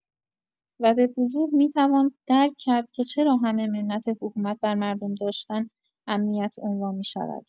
و بوضوح میتوان درک کرد چرا همه منت حکومت بر مردم داشتن امنیت عنوان می‌شود.